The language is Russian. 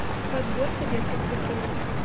подборка детских приколов